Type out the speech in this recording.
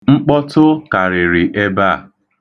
Mkpọtụ karịrị ebe a.